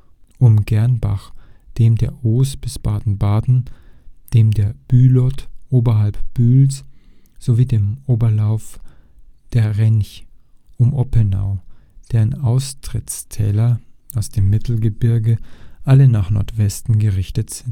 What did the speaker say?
um Gernsbach, dem der Oos bis Baden-Baden, dem der Bühlot oberhalb Bühls sowie dem Oberlauf der Rench um Oppenau, deren Austrittstäler aus dem Mittelgebirge alle nach Nordwesten gerichtet